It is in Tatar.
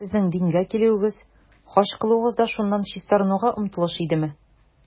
Сезнең дингә килүегез, хаҗ кылуыгыз да шуннан чистарынуга омтылыш идеме?